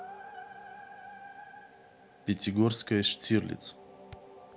пятигорская штирлиц